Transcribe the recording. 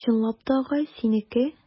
Чынлап та, агай, синеке?